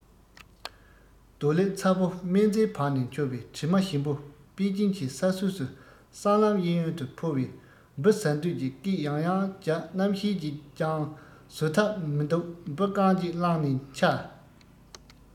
རྡོ ལེབ ཚ བོ སྨན རྩྭའི བར ནས འཕྱོ བའི དྲི མ ཞིམ པོ པེ ཅིན གྱི ས སྲོས སུ སྲང ལམ གཡས གཡོན དུ ཕོ བས འབུ ཟ འདོད ཀྱི སྐད ཡང ཡང རྒྱག རྣམ ཤེས ཀྱིས ཀྱང བཟོད ཐབས མི འདུག འབུ རྐང གཅིག བླངས ནས འཆའ